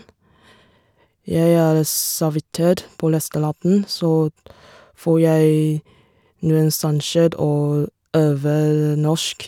Jeg er servitør på restauranten, så får jeg noen sjanser å øve norsk.